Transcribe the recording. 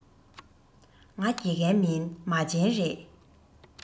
ང དགེ རྒན མིན མ བྱན ཡིན